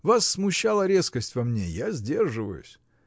— Вас смущала резкость во мне, — я сдерживаюсь.